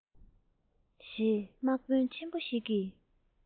ཞེས དམག དཔོན ཆེན པོ ཞིག གིས